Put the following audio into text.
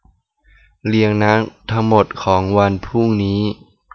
เรียงนัดทั้งหมดของวันพรุ่งนี้